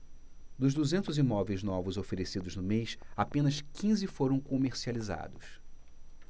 dos duzentos imóveis novos oferecidos no mês apenas quinze foram comercializados